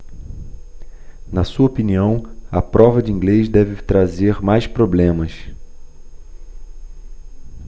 na sua opinião a prova de inglês deve trazer mais problemas